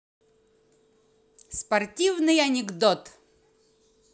спортивный анекдот